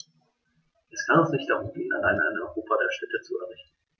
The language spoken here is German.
Es kann uns nicht darum gehen, allein ein Europa der Städte zu errichten.